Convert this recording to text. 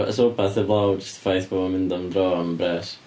Oes 'na rywbeth heblaw am jyst y ffaith bod o'n mynd am dro am bres?